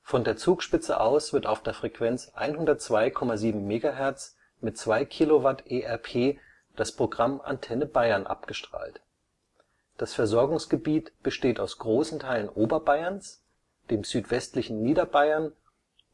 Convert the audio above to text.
Von der Zugspitze aus wird auf der Frequenz 102,7 MHz mit 2 kW ERP das Programm Antenne Bayern abgestrahlt. Das Versorgungsgebiet besteht aus großen Teilen Oberbayerns, dem südwestlichen Niederbayern